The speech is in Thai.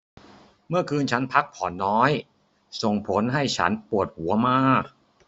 เมื่อคืนฉันพักผ่อนน้อยส่งผลให้ฉันปวดหัวมาก